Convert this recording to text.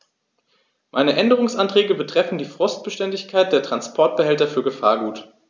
Meine Änderungsanträge betreffen die Frostbeständigkeit der Transportbehälter für Gefahrgut.